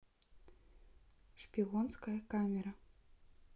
шпионская камера